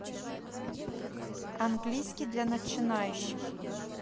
английский для начинающих